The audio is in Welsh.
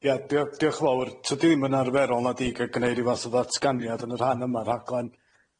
Ia dio- diolch yn fawr. Tydi ddim yn arferol, na 'di, i ga'l gneud ryw fath o ddatganiad yn y rhan yma o'r rhaglen.